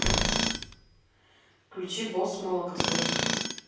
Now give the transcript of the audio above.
включи босс молокосос